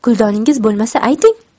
kuldoningiz bo'lmasa ayting